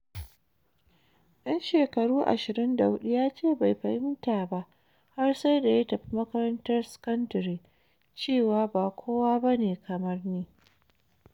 Dan shekaru 24 ya ce bai fahimta ba har sai da ya tafi makarantar sakandare cewa "ba kowa ba ne kamar ni."